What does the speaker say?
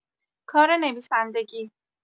کار نویسندگی